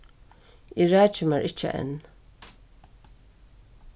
eg raki mær ikki enn